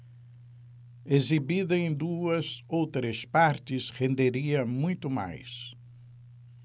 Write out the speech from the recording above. exibida em duas ou três partes renderia muito mais